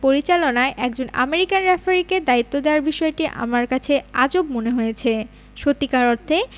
পরিচালনায় একজন আমেরিকান রেফারিকে দায়িত্ব দেয়ার বিষয়টি আমার কাছে আজব মনে হয়েছে সত্যিকার অর্থে